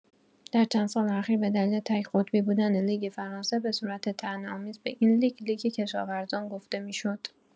در چند سال اخیر به دلیل تک‌قطبی بودن لیگ فرانسه، به صورت طعنه‌آمیز به این لیگ «لیگ کشاورزان» گفته می‌شد.